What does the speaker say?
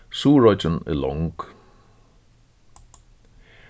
suðuroyggin er long